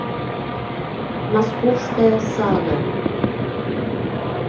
московская сага